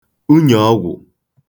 unyò ọgwụ̀